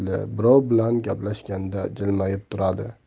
birov bilan gaplashganda jilmayib turadi